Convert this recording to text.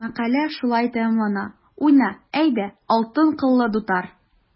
Мәкалә шулай тәмамлана: “Уйна, әйдә, алтын кыллы дутар!"